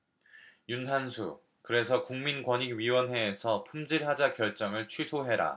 윤한수 그래서 국민권익위원회에서 품질 하자 결정을 취소해라